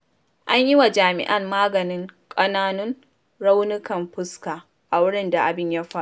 An yiwa jami'an maganin ƙananun raunukan fuska a wurin da abin ya faru.